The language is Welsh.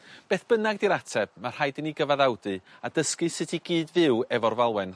Beth bynnag 'di'r ateb ma' rhaid i ni gyfaddawdu a dysgu sut i gyd fyw efo'r falwen.